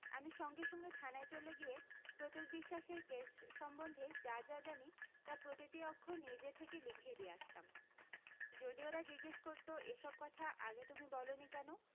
আমি সঙ্গে সঙ্গে থানায় চলে গিয়ে প্রতুল বিশ্বাসের কেস সম্বন্ধে যা যা জানি তার প্রতিটি অক্ষর নিজে থেকে লিখিয়ে দিয়ে আসতাম যদি ওরা জিজ্ঞেস করতো এ সব কথা আগে তুমি বলোনি কেন